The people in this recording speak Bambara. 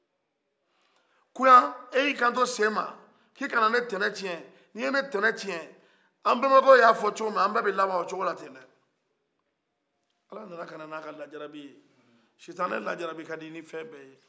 koya e ye i kan to se ma k'i kana ne tana tiɲɛ nin e ye ne tana tiɲɛ an bɛbakɛw y'a fɔ cogomi an bɛɛ bɛ laban o cogola ten dɛ ala nana ka na ni a ka lajarabi ye sitana lajarabi ka di ni fɛn bɛɛ ye